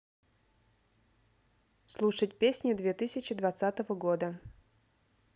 слушать песни две тысячи двадцатого года